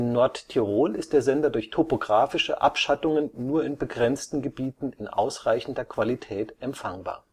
Nordtirol ist der Sender durch topografische Abschattungen nur in begrenzten Gebieten in ausreichender Qualität empfangbar